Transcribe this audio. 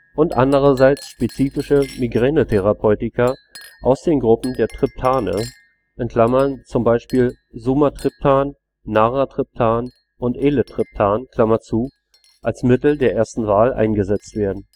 und andererseits spezifische Migränetherapeutika aus den Gruppen der Triptane (zum Beispiel Sumatriptan, Naratriptan und Eletriptan) als Mittel der ersten Wahl eingesetzt werden